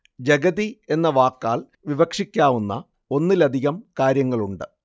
ജഗതി എന്ന വാക്കാൽ വിവക്ഷിക്കാവുന്ന ഒന്നിലധികം കാര്യങ്ങളുണ്ട്